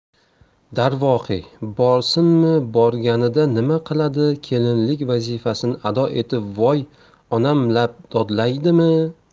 darvoqe borsinmi borganida nima qiladi kelinlik vazifasini ado etib voy onam lab dodlaydimi